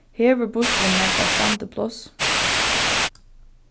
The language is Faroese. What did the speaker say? hevur bussurin nakað standipláss